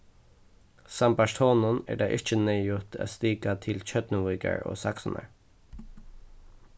sambært honum er tað ikki neyðugt at stika til tjørnuvíkar og saksunar